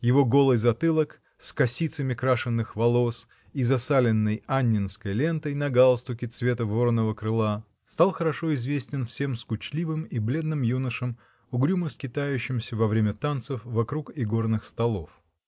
Его голый затылок, с косицами крашеных волос и засаленной анненской лентой на галстуке цвета воронова крыла, стал хорошо известен всем скучливым и бледным юношам, угрюмо скитающимся во время танцев вокруг игорных столов.